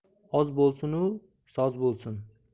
oz bo'lsin u soz bo'lsin